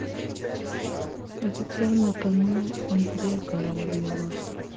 официальный канал андрея караулова